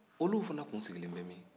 olu fana tun sigilen bɛ min